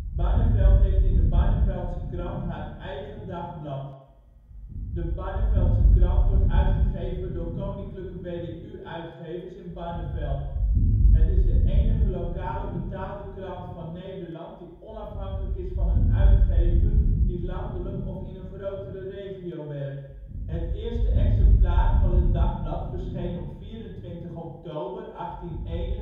Barneveld heeft in de Barneveldse Krant haar eigen dagblad. De Barneveldse Krant wordt uitgegeven door Koninklijke BDU Uitgevers in Barneveld. Het is de enige lokale, betaalde krant van Nederland die onafhankelijk is van een uitgever die landelijk of in een grotere regio werkt. Het eerste exemplaar van het dagblad verscheen op 24 oktober 1871